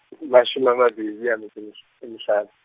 mashome a mabedi a metso e mehl-, e mehlano.